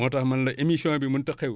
moo tax ma ne la émission bi mënut a xew